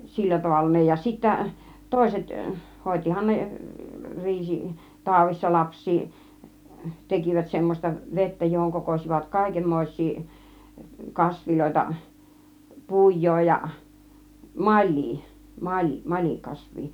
sillä tavalla ne ja sitten toiset hoitihan ne riisi taudissa lapsia tekivät semmoista vettä johon kokosivat kaikenmoisia kasveja pujoa ja malia - malikasvia